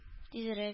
Тизрәк